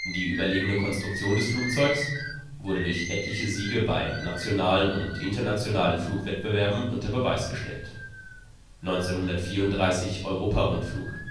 Die überlegene Konstruktion des Flugzeuges wurde durch etliche Siege bei nationalen und internationalen Flugwettbewerben unter Beweis gestellt. 1934 Europarundflug